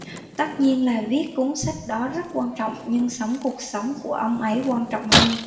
tất nhiên là viết cuốn sách đó rất quan trọng nhưng sống cuộc sống của ông ấy quan trọng hơn